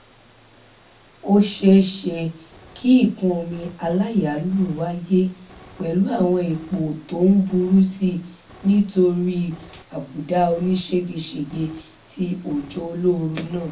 Ó ṣeé ṣe kí ìkún omi aláyalù wáyé pẹ̀lú àwọn ipò tó ń burú síi nítorí àbùdá onísége-sège ti òjò olóoru náà.